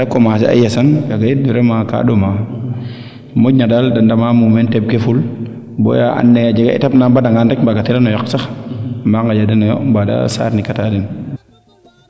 de commencer a yasan kaaga yit vraiment ka ɗoma moƴna daal de ndama mumeen teɓke a ful baya and naye a jega etape na de mbada ngaan rek mbaaga tirano yaq sax a mba ngaƴa deno yo mbaa de saarni ka deno yo